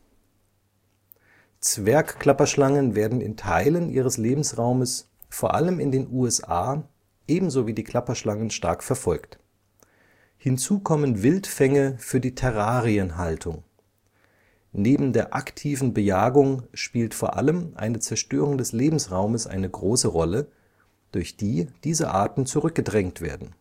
Zwergklapperschlangen werden in Teilen ihres Lebensraumes vor allem in den USA ebenso wie die Klapperschlangen stark verfolgt. Hinzu kommen Wildfänge für die Terrarienhaltung. Neben der aktiven Bejagung spielt vor allem eine Zerstörung des Lebensraumes eine große Rolle, durch die diese Arten zurückgedrängt werden